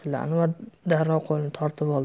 anvar darrov qo'lini tortib oldi